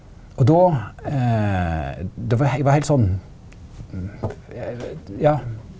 og då då var eg var heilt sånn ja.